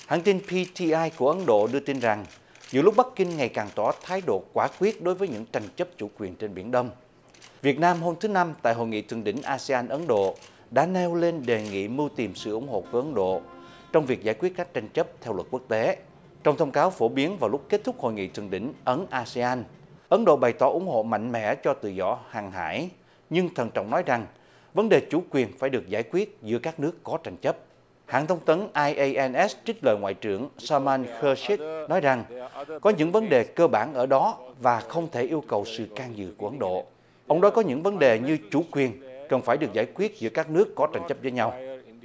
hãng tin pi ti ai của ấn độ đưa tin rằng giữa lúc bắc kinh ngày càng tỏ thái độ quả quyết đối với những tranh chấp chủ quyền trên biển đông việt nam hôm thứ năm tại hội nghị thượng đỉnh asean ấn độ đã nêu lên đề nghị mưu tìm sự ủng hộ của ấn độ trong việc giải quyết các tranh chấp theo luật quốc tế trong thông cáo phổ biến vào lúc kết thúc hội nghị thượng đỉnh ấn a sê an ấn độ bày tỏ ủng hộ mạnh mẽ cho tự do hàng hải nhưng thận trọng nói rằng vấn đề chủ quyền phải được giải quyết giữa các nước có tranh chấp hãng thông tấn ai ây en ét trích lời ngoại trưởng sa man khơ sít nói rằng có những vấn đề cơ bản ở đó và không thể yêu cầu sự can dự của ấn độ ông nói có những vấn đề như chủ quyền cần phải được giải quyết giữa các nước có tranh chấp với nhau